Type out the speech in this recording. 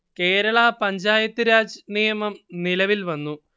കേരളാ പഞ്ചായത്ത് രാജ് നിയമം നിലവിൽ വന്നു